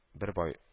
Бер бай